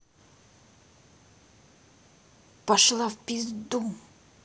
пошла в пизду